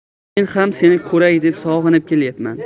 men ham seni ko'ray deb sog'inib kelmaganman